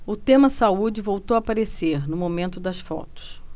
o tema saúde voltou a aparecer no momento das fotos